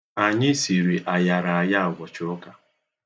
Anyị siri ayaraaya ụbọchị ụka.